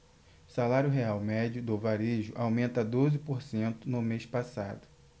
salário real médio do varejo aumenta doze por cento no mês passado